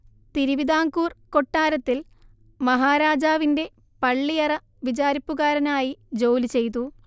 തിരുവിതാംകൂർ കൊട്ടാരത്തിൽ മഹാരാജാവിന്റെ പള്ളിയറ വിചാരിപ്പുകാരനായി ജോലി ചെയ്തു